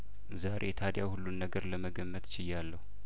ዛሬ ታዲያ ሁሉን ነገር ለመገመት ችያለሁ